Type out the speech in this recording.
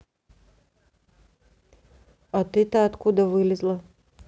а ты то откуда вылезла